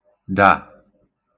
dà